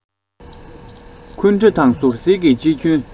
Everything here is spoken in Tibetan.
འཁུན སྒྲ དང ཟུག གཟེར གྱིས ཅི སྐྱོན